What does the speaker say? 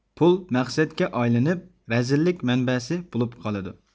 پۇل مەقسەتكە ئايلىنىپ رەزىللىك مەنبەسى بولۇپ قالىدۇ